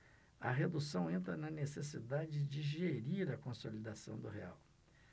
a redução entra na necessidade de gerir a consolidação do real